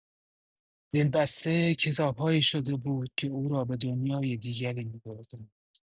دلبسته کتاب‌هایی شده بود که او را به دنیای دیگری می‌بردند.